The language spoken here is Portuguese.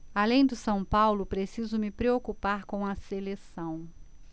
além do são paulo preciso me preocupar com a seleção